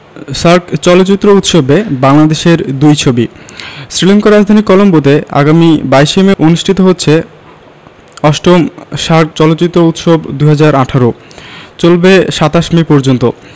SAARC চলচ্চিত্র উৎসবে বাংলাদেশের দুই ছবি শ্রীলংকার রাজধানী কলম্বোতে আগামী ২২ মে অনুষ্ঠিত হচ্ছে ৮ম সার্ক চলচ্চিত্র উৎসব ২০১৮ চলবে ২৭ মে পর্যন্ত